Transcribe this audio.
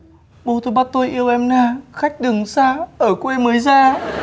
bố tôi bắt tôi yêu em na khách đường xa ở quê mới ra